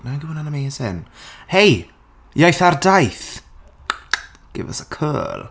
Nag yw hwnna'n amazing? Hei! Iaith ar daith! Give us a call.